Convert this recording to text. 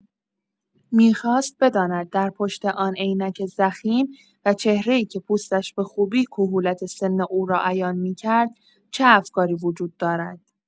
می‌خواست بداند در پشت آن عینک ضخیم و چهره‌ای که پوستش به‌خوبی کهولت سن او را عیان می‌کرد، چه افکاری وجود دارد.